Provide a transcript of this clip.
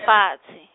fatshe.